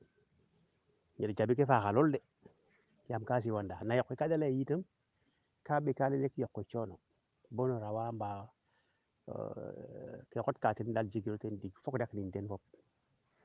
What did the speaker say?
ñeti caabi ke faaxa lool de yaam ka siwana ndaa yok we kaade leye yitam kaa ɓeka yok we coono bo o rawa mbaa ke xot taa ten daal jegiro teen tig foko dak niin teen fop